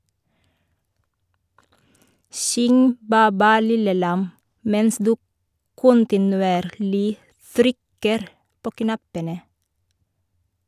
Syng "Bæ bæ lille lam" mens du kontinuerlig trykker på knappene.